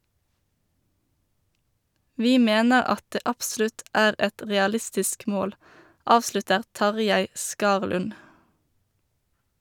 Vi mener at det absolutt er et realistisk mål, avslutter Tarjei Skarlund.